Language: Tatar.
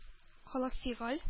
Холык-фигыль